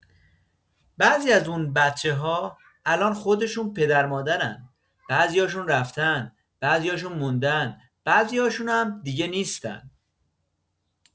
بعضی از اون بچه‌ها الان خودشون پدر و مادرن، بعضیاشون رفتن، بعضیاشون موندن، بعضیاشونم دیگه نیستن.